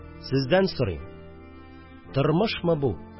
Сездән сорыйм: «Тормышмы бу